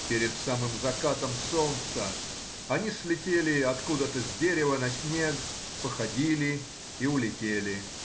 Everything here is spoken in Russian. Перед самым закатом солнца они слетели откуда-то с дерева на снег, походили и улетели.